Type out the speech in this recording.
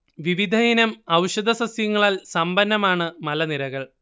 വിവിധയിനം ഔഷധ സസ്യങ്ങളാൽ സമ്പന്നമാണ് മലനിരകൾ